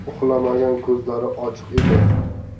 ko'zlari ochiq edi